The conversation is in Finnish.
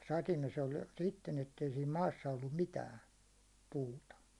mutta satimessa oli sitten että ei siinä maassa ollut mitään puuta